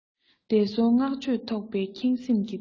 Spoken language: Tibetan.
འདས སོང བསྔགས བརྗོད ཐོར བའི ཁེངས སེམས ཀྱི འདུན པ